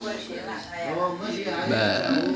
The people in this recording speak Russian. нет не хочу